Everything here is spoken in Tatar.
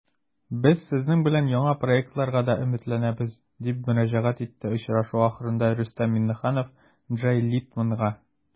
Без сезнең белән яңа проектларга да өметләнәбез, - дип мөрәҗәгать итте очрашу ахырында Рөстәм Миңнеханов Джей Литманга.